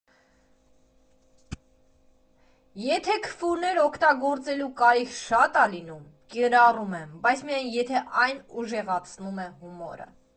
Եթե քֆուրներ օգտագործելու կարիք շատ է լինում, կիրառում եմ, բայց միայն, եթե այն ուժեղացնում է հումորը։